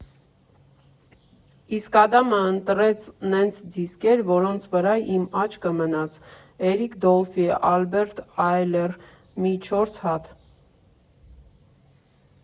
Իսկ Արամը ընտրեց նենց դիսկեր, որոնց վրա իմ աչքը մնաց՝ Էրիկ Դոլֆի, ԱԼբերտ ԱՅլեր, մի չորս հատ։